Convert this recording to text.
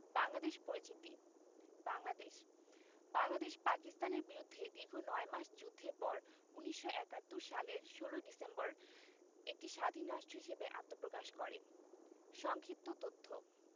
বাংলাদেশপরিচিতি বাংলাদেশ বাংলাদেশ পাকিস্তানের বিরুদ্ধে দীর্ঘ নয় মাস যুদ্ধের পর ১৯৭১ সালের ১৬ ডিসেম্বর একটি স্বাধীন রাষ্ট্র হিসেবে আত্মপ্রকাশ করে সংক্ষিপ্ত তথ্য